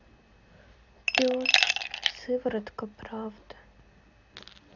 пес сыворотка правды